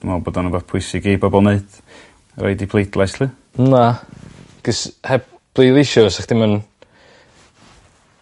dwi me'wl bod o'n rwbath pwysig i bobol neud. Roid 'u pleidlais 'lly. Na. 'C'os heb pleidleisio 'sach chdi'm yn